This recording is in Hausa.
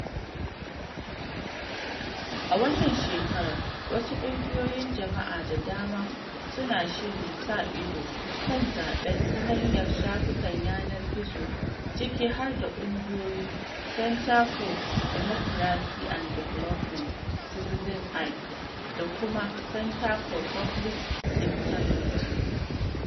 A wannan shekarar, wasu ƙungiyoyin jama'a da dama suna shirin sa ido kan zaɓen ta hanyar shafukan yanar gizo, ciki har da ƙungiyoyin Center for Democracy and Development, Citizen's Eye, da kuma Center for Public Integrity.